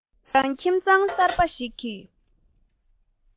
ང རང ཁྱིམ ཚང གསར པ ཞིག གི